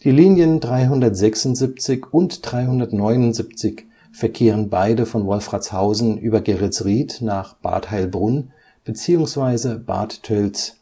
Linien 376 und 379 verkehren beide von Wolfratshausen über Geretsried nach Bad Heilbrunn beziehungsweise Bad Tölz